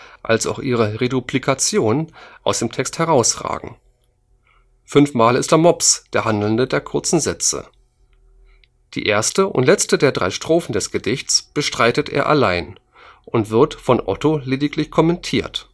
als auch ihre Reduplikation aus dem Text herausragen. Fünfmal ist der Mops der Handelnde der kurzen Sätze. Die erste und letzte der drei Strophen des Gedichts bestreitet er allein und wird von Otto lediglich kommentiert